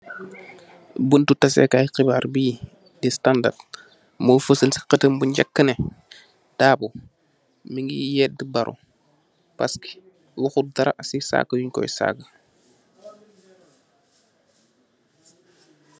Bunti tasèkai xibar bi di Standard mo fasal ci xatam bu njak neh, Darbó mugeh yédèh Barró paski waxut dara ci saga yin Koy saga.